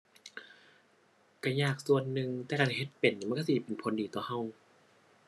ก็ยากส่วนหนึ่ง แต่ถ้าคันเฮ็ดเป็น มันก็สิเป็นผลดีต่อก็